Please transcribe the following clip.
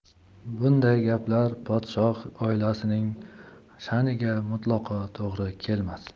bunday gaplar podshoh oilasining shaniga mutlaqo to'g'ri kelmas